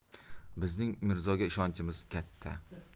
bizning mirzoga ishonchimiz katta